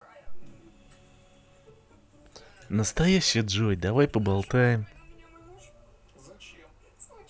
настоящая джой давай поболтаем